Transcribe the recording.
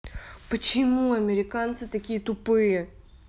почему американцы такие тупые